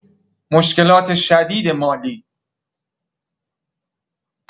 مشکلات شدید مالی